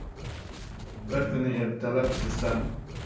bir kuni ertalab tursam